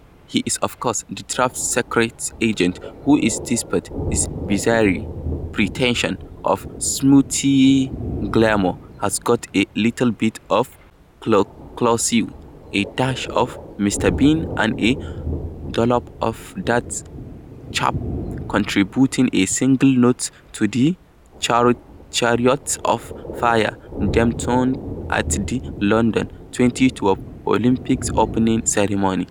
He is of course the daft secret agent who despite his bizarre pretensions to smoothie glamour has got a little bit of Clouseau, a dash of Mr Bean and a dollop of that chap contributing a single note to the Chariots of Fire theme tune at the London 2012 Olympics opening ceremony.